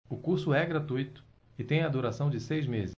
o curso é gratuito e tem a duração de seis meses